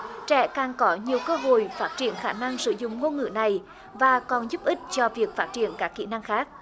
trẻ càng có nhiều cơ hội phát triển khả năng sử dụng ngôn ngữ này và còn giúp ích cho việc phát triển các kỹ năng khác